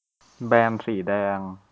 แบนสีแดง